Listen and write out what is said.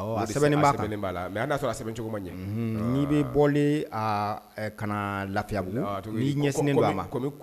Sɛbɛn'a mɛ y'a sɔrɔ sɛbɛn cogo ma ɲɛ n'i bɛ bɔ lafiya i ɲɛsin don'a ma